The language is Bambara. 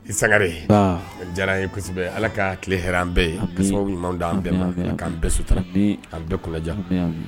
I Sangare, un, nin diyara n ye kosɛbɛ Ala ka tile hɛra an bɛɛ ye ka sababu ɲuman d'an bɛɛ ma Ala k'an bɛɛ sutura k'an bɛɛ kunnadiya